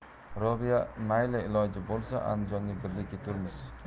robiya mayli iloji bo'lsa andijonga birga keturmiz